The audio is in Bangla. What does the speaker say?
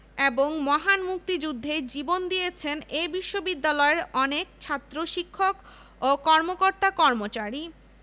জন শিক্ষক ২৫ মার্চ রাতে আরো শহীদ হন ১০৪ জন ছাত্র ১ জন কর্মকর্তা ও ২৮ জন কর্মচারী